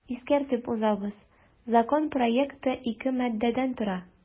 Искәртеп узабыз, закон проекты ике маддәдән тора.